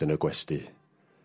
...yn y gwesty.